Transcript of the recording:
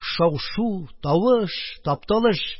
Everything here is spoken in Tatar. Шау-шу, тавыш, тапталыш!